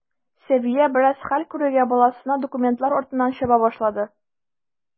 Сәвия, бераз хәл керүгә, баласына документлар артыннан чаба башлады.